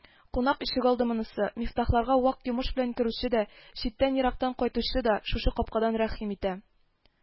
Кунак ишегалды монысы, Мифтахларга вак йомыш белән керүче дә, читтән-ерактан кайтучы да шушы капкадан рәхим итә